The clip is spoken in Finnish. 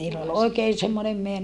niillä oli oikea semmoinen -